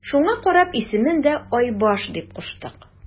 Шуңа карап исемен дә Айбаш дип куштык.